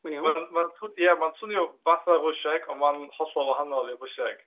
Ia, ma'n ma'n swnio ma'n swnio fatha Rwsieg, ond mae'n hollol wahanol i Rwsieg.